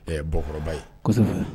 Ɛkɔrɔba ye